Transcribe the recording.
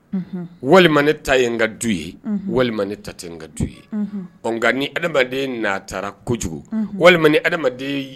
Walima walima ta ye ni adamaden n'a taara kojugu walima